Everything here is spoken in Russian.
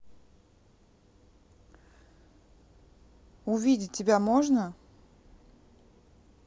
увидеть тебя можно